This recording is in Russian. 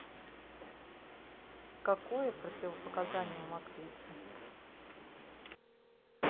какое противопоказание у мокрицы